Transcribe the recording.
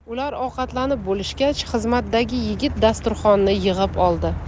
ular ovqatlanib bo'lishgach xizmatdagi yigit dasturxonni yig'ib oldi